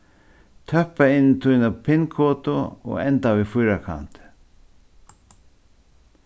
tøppa inn tína pin-kodu og enda við fýrakanti